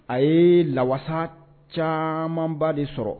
A ye la walasa camanba de sɔrɔ